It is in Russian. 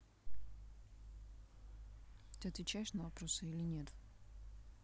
ты отвечаешь на вопросы или нет